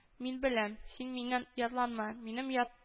Мин беләм, син миннән ятланма, минем ят